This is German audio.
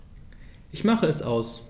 Ich mache es aus.